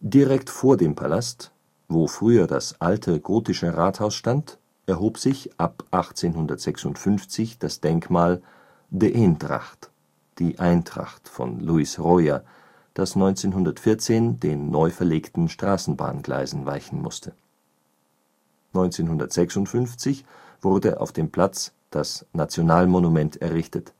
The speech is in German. Direkt vor dem Palast, wo früher das alte gotische Rathaus stand, erhob sich ab 1856 das Denkmal De Eendracht („ die Eintracht “) von Louis Royer, das 1914 den neu verlegten Straßenbahngleisen weichen musste. 1956 wurde auf dem Platz das Nationalmonument errichtet.